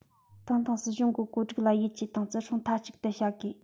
ཏང དང སྲིད གཞུང གི བཀོད སྒྲིག ལ ཡིད ཆེས དང བརྩི སྲུང མཐའ གཅིག ཏུ བྱ དགོས